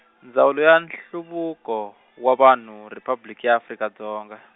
Ndzawulo ya Nhluvuko wa Vanhu Riphabliki ya Afrika Dzonga.